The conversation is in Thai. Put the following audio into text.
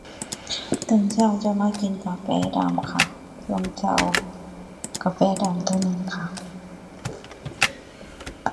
ตอนเช้าจะมักกินกาแฟดำค่ะ ตอนเช้ากาแฟดำเท่านั้นค่ะ